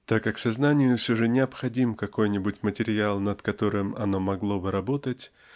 Так как сознанию все же необходим какой-нибудь материал над которым оно могло бы работать